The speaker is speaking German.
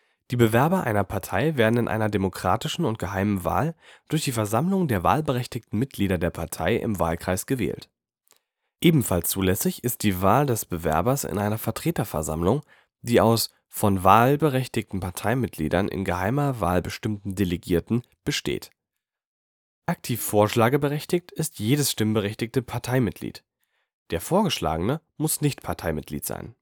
Die Bewerber einer Partei werden in einer demokratischen und geheimen Wahl durch die Versammlung der wahlberechtigten Mitglieder der Partei im Wahlkreis gewählt. Ebenfalls zulässig ist die Wahl des Bewerbers in einer Vertreterversammlung, die aus von den wahlberechtigten Parteimitgliedern in geheimer Wahl bestimmten Delegierten besteht. Aktiv vorschlagsberechtigt ist jedes stimmberechtigte Parteimitglied; der Vorgeschlagene muss nicht Parteimitglied sein